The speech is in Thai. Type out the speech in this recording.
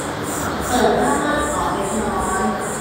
เปิดผ้าม่านออกเล็กน้อย